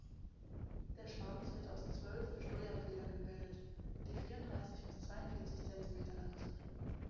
Der Schwanz wird aus 12 Steuerfedern gebildet, die 34 bis 42 cm lang sind.